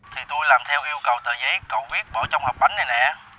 thì tôi làm theo yêu cầu tờ giấy cậu viết bỏ trong hộp bánh này nè